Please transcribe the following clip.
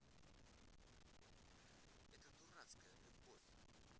эта дурацкая любовь